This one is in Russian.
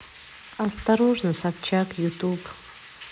осторожно собчак ютуб